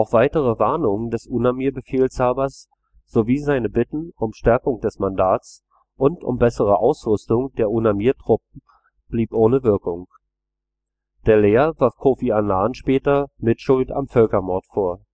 weitere Warnungen des UNAMIR-Befehlshabers sowie seine Bitten um eine Stärkung des Mandats und um bessere Ausrüstung der UNAMIR blieben ohne Wirkung. Dallaire warf Kofi Annan später Mitschuld am Völkermord vor